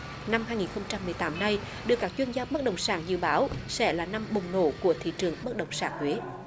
năm hai nghìn không trăm mười tám này được các chuyên gia bất động sản dự báo sẽ là năm bùng nổ của thị trường bất động sản huế